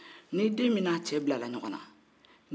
n'e nana